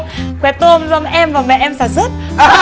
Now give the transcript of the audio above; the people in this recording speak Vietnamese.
quẹt tôm do em và mẹ em sản xuất